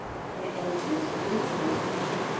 Ә әйтер сүз юк.